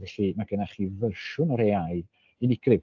Felly ma' gennych chi fersiwn o'r AI unigryw.